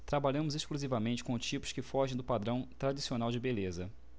trabalhamos exclusivamente com tipos que fogem do padrão tradicional de beleza